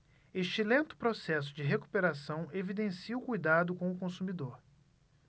este lento processo de recuperação evidencia o cuidado com o consumidor